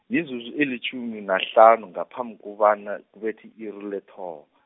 mizuzu elitjhumi nahlanu ngaphambi kobana kubethe i-iri lethoba.